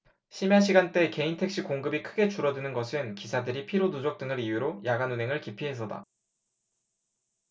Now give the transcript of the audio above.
심야시간대 개인택시 공급이 크게 줄어드는 것은 기사들이 피로 누적 등을 이유로 야간 운행을 기피해서다